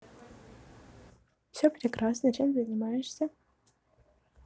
все прекрасно чем занимаешься